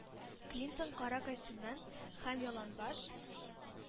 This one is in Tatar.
Клинтон кара костюмнан һәм яланбаш,